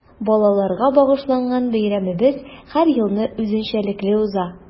Балаларга багышланган бәйрәмебез һәр елны үзенчәлекле уза.